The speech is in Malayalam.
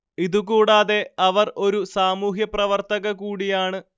ഇതുകൂടാതെ അവർ ഒരു സാമൂഹ്യപ്രവർത്തക കൂടിയാണ്